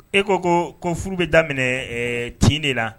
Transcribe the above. E ko ko furu bɛ daminɛ ɛɛ tin de la